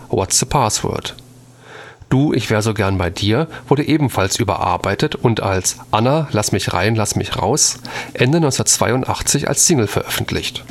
Password. Du ich wär so gern bei dir wurde ebenfalls überarbeitet und als Anna – Lassmichrein Lassmichraus Ende 1982 als Single veröffentlicht